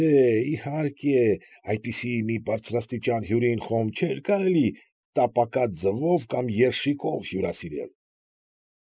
Դե, իհարկե, այդպիսի մի բարձրաստիճան հյուրին խոմ չէր կարելի տապակած ձկով կամ երշիկով հյուրասիրել։